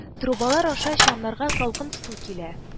Трубалар аша чаннарга салкын су килә